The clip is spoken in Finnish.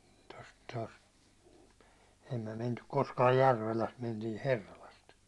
tuosta tuosta ei me mentykään koskaan Järvelästä mentiin Herralasta